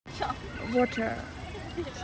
water